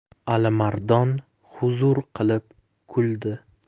alimardon huzur qilib kuldi